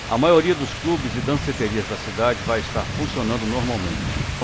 a maioria dos clubes e danceterias da cidade vai estar funcionando normalmente